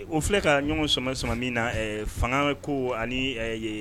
O filɛ ka ɲɔgɔn sɔmɛ sama min na fanga ko ani